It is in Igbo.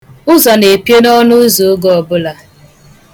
Ụzọ na-epio n'ọnụụzọ oge ọbụla.